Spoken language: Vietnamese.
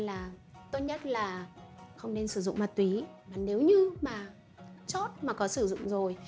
nên là tốt nhất không nên sử dụng ma túy nếu mà có chót sử dụng rồi